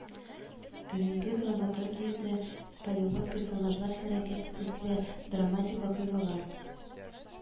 Бүгенге драматургиядә полилог персонажлар хәрәкәте төсле, драматик вакыйгалар